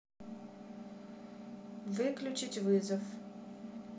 выключить вызов